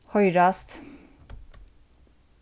hoyrast